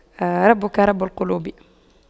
ربك رب قلوب